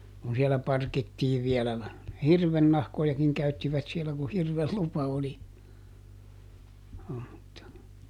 kun siellä parkittiin vielä - hirvennahkojakin käyttivät siellä kun hirven lupa oli joo mutta